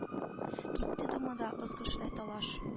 Китте думада ызгыш вә талаш